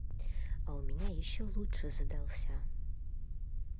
а у меня еще лучше задался